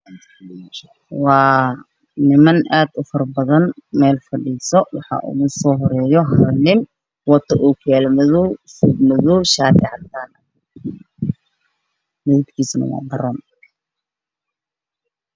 Waa niman aad u faro badan meel fadhiyo waxaa ugu soo horeeyo nin waxuu wataa shaati cadaan ah iyo surwaal madow ah midabkiisu waa baroon.